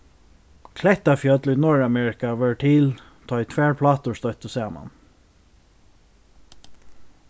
klettafjøll í norðuramerika vórðu til tá ið tvær plátur stoyttu saman